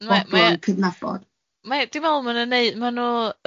bobol yn cydnabod. Ma- dwi me'l ma nhw'n neud ma' nw